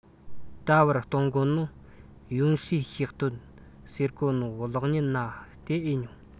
ད བར སྟོན གོ ནོ ཡོན ཧྲོའེ གཤེགས དོན ཟེར གོ ནོ གློག བརྙན ན བལྟས ཨེ མྱོང